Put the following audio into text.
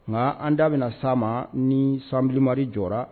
Nka an da bɛna san ma ni san bimari jɔra